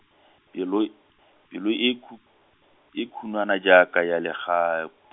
pelo, pelo e khu- e khunwana jaaka ya lega-.